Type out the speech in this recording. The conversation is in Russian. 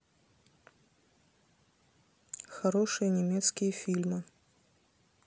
хорошие немецкие фильмы